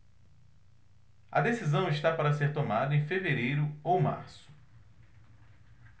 a decisão está para ser tomada em fevereiro ou março